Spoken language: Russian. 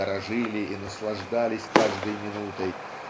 дорожили и наслаждались каждой минутой